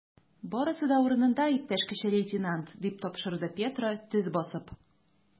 Барысы да урынында, иптәш кече лейтенант, - дип тапшырды Петро, төз басып.